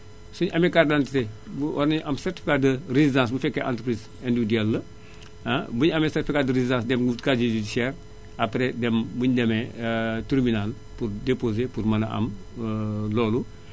su ñu amee carte d' identité bu war nañu am certificat de résidence bu fekkee entreprise individuelle la bu ñu amee certificat de résidence dem wut casier judiciare après dem bu ñu demee tribunal pour déposer pour mën a am loolu